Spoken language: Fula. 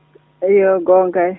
eeyo goonga kay